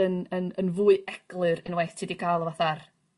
yn yn yn fwy eglur unwaith ti 'di ga'l y fatha'r